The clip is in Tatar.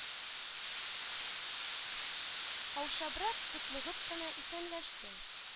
Каушабрак, тотлыгып кына исәнләште.